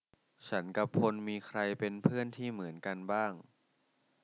ฉันกับพลมีใครเป็นเพื่อนที่เหมือนกันบ้าง